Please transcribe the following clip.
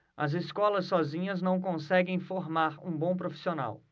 as escolas sozinhas não conseguem formar um bom profissional